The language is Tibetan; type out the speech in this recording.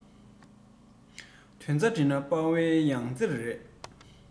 དོན རྩ བསྒྲིལ ན དཔལ བོའི ཡང རྩེ རེད